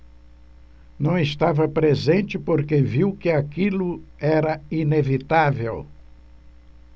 não estava presente porque viu que aquilo era inevitável